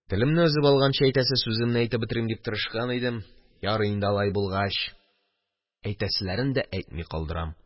Телемне өзеп алганчы, әйтәсе сүзләремне әйтеп бетерим дип тырышкан идем, ярый инде алай булгач, әйтәселәрен дә әйтмий калдырам.